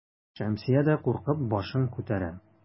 Шәмсия дә куркып башын күтәрә.